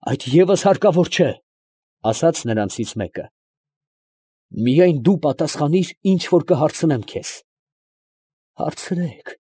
Այդ ևս հարկավոր չէ, ֊ ասաց նրանցից մեկը. ֊ միայն դու պատասխանիր, ինչ որ կհարցնեմ քեզ։ ֊ Հարցրե՛ք։ ֊